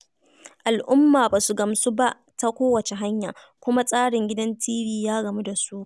Amma al'umma ba su gamsu ba ta kowace hanya, kuma tsarin gidan TV ya gamu da suka.